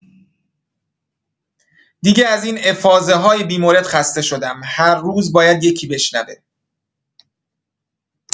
دیگه از این افاضه‌های بی‌مورد خسته شدم، هر روز باید یکی بشنوه!